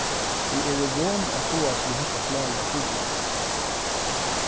eg eri von at fáast við hetta slagið av trupulleikum